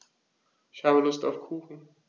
Ich habe Lust auf Kuchen.